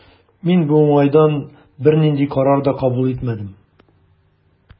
Мин бу уңайдан бернинди карар да кабул итмәдем.